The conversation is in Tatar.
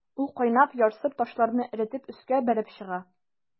Ул кайнап, ярсып, ташларны эретеп өскә бәреп чыга.